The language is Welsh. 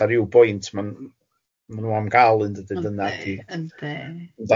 Ar ryw bwynt ma'n ma nhw am gal un yn dydyn... Yndi yndi.